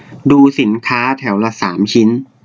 ดูสินค้าแถวละสามชิ้น